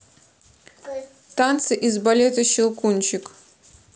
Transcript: танцы из балета щелкунчик